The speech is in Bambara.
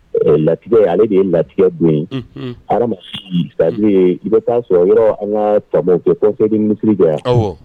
Latigɛ ale de ye latigɛ bon ye i bɛ taa sɔrɔ yɔrɔ an ka tama kɛ kɔfe misisiri kɛ yan